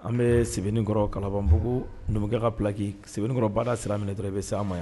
An bɛ sɛbɛnkɔrɔ kalabanbugu numukɛ kaki sɛbɛnkɔrɔ ba sira minɛ dɔrɔn bɛ se ma yan